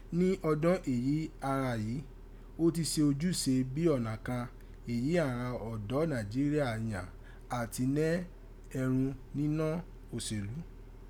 Ni ọdọ̈n èyí a gha yìí, ó ti se ojúse bíi ọ̀nà kàn èyí àghan ọ̀dọ́ Nàìjíríà yàn áti nẹ́ ẹrun ninọ́ ìṣèlú.